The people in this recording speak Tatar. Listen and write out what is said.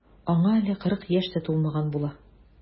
Аңа әле кырык яшь тә тулмаган була.